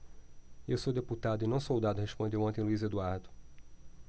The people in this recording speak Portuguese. eu sou deputado e não soldado respondeu ontem luís eduardo